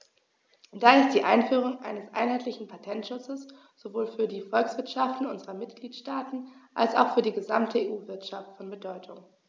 Daher ist die Einführung eines einheitlichen Patentschutzes sowohl für die Volkswirtschaften unserer Mitgliedstaaten als auch für die gesamte EU-Wirtschaft von Bedeutung.